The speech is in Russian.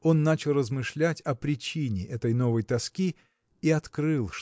Он начал размышлять о причине этой новой тоски и открыл